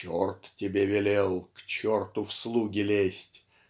Черт тебе велел к черту в слуги лезть.